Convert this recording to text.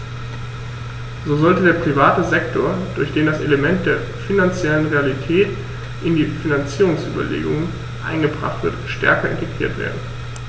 So sollte der private Sektor, durch den das Element der finanziellen Realität in die Finanzierungsüberlegungen eingebracht wird, stärker integriert werden.